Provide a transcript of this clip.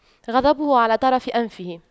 غضبه على طرف أنفه